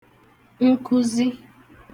nkụzị